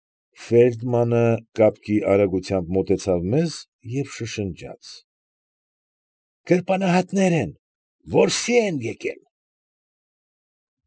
Ֆեյլդմանը կապկի արագությամբ մոտեցավ մեզ և շշնջաց. ֊ Գրպանահատներ են, որսի են եկել։